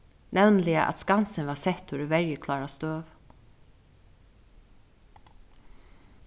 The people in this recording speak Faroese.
nevniliga at skansin varð settur í verjuklára støðu